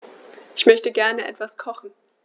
Ich möchte gerne etwas kochen.